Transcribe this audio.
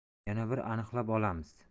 yana bir aniqlab olamiz